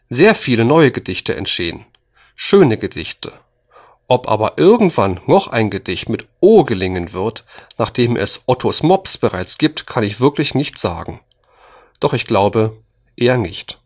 sehr viele neue Gedichte entstehen, schöne Gedichte. Ob aber irgendwem noch ein Gedicht mit o gelingen wird, nachdem es ottos mops bereits gibt, kann ich wirklich nicht sagen. Doch ich glaube: eher nicht